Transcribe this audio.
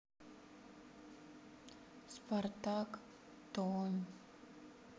спартак томь